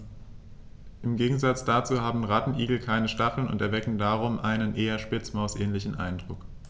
Im Gegensatz dazu haben Rattenigel keine Stacheln und erwecken darum einen eher Spitzmaus-ähnlichen Eindruck.